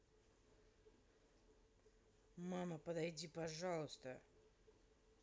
мама подойди пожалуйста